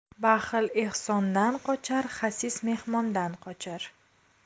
baxil ehsondan qochar xasis mehmondan qochar